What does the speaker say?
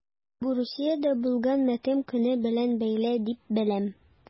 Бу Русиядә булган матәм көне белән бәйле дип беләм...